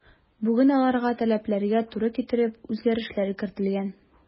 Бүген аларга таләпләргә туры китереп үзгәрешләр кертелгән.